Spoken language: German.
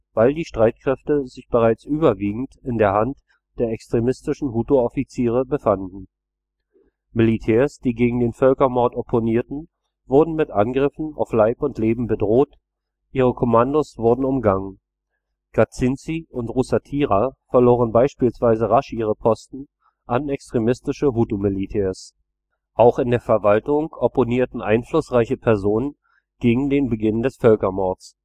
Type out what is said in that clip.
weil die Streitkräfte sich bereits überwiegend in der Hand der extremistischen Hutu-Offiziere befanden. Militärs, die gegen den Völkermord opponierten, wurden mit Angriffen auf Leib und Leben bedroht, ihre Kommandos wurden umgangen. Gatsinzi und Rusatira verloren beispielsweise rasch ihre Posten an extremistische Hutu-Militärs. Auch in der Verwaltung opponierten einflussreiche Personen gegen den Beginn des Völkermords